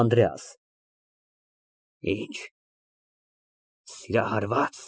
ԱՆԴՐԵԱՍ ֊ Ի՞նչ, սիրահարվա՞ծ։